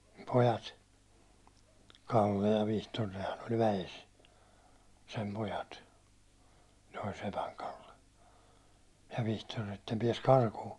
pojat Kalle ja Vihtori nehän oli väessä sen pojat ne oli sepän Kalle ja Vihtori että ne pääsi karkuun